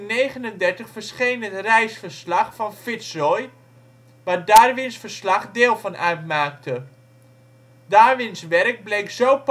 1839 verscheen het reisverslag van FitzRoy, waar Darwins verslag deel van uitmaakte. Darwins werk bleek zo